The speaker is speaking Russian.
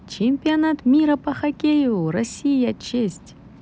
чемпионат мира по хоккею россия честь